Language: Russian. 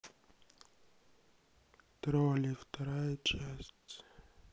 тролли вторая часть